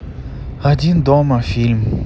один дома фильм